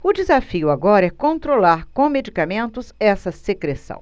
o desafio agora é controlar com medicamentos essa secreção